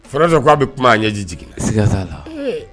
Florence k'a bɛ kuma a ɲɛji jiginna; Siga t'a la; Ee